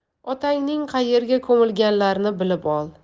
otangning qaerga ko'milganlarini bilib ol